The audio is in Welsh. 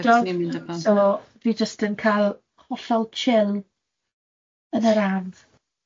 Cymydog, so fi jyst yn cael hollol chill, yn yr ardd.